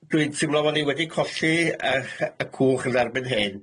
Dwi'n timlo bo' ni wedi colli y ch- y cwch ella erbyn hyn.